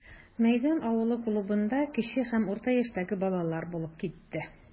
Мәйдан авылы клубында кече һәм урта яшьтәге балалар булып китте.